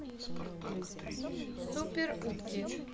супер утки